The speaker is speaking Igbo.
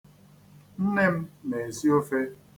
Nne m na-esi ofe.